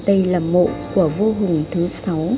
đây là mộ của vua hùng thứ